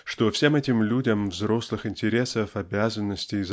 что всем этим людям взрослых интересов обязанностей